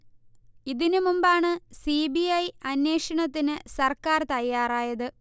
ഇതിന് മുമ്പാണ് C. B. I. അന്വേഷണത്തിന് സർക്കാർ തയ്യാറായത്